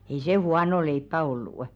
ei se huonoa leipää ollut